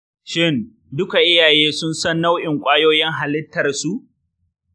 shin duka iyaye sun san nau’in kwayoyin halittarsu?